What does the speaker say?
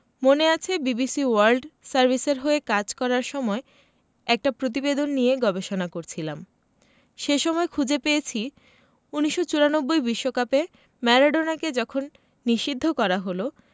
মনে আছে BBC world সার্ভিসের হয়ে কাজ করার সময় একটা প্রতিবেদন নিয়ে গবেষণা করছিলাম সে সময় খুঁজে পেয়েছি ১৯৯৪ বিশ্বকাপে ম্যারাডোনাকে যখন নিষিদ্ধ করা হলো